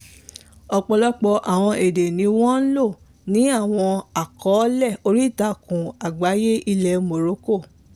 Ọ̀pọ̀lọpọ̀ àwọn èdè ni wọ́n ń lò ní àwọn àkọọ́lẹ̀ oríìtakùn àgbáyé ilẹ̀ Morocco.